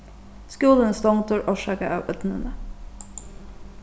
skúlin stongdur orsakað av ódnini